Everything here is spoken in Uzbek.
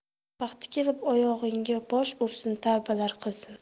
vaqti kelib oyog'ingga bosh ursin tavbalar qilsin